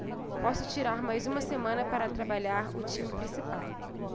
posso tirar mais uma semana para trabalhar o time principal